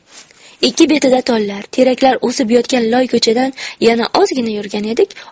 ikki betida tollar teraklar o'sib yotgan loy ko'chadan yana ozgina yurgan edik